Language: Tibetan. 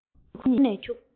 ངའི ཉེ འཁོར ནས འཁྱུག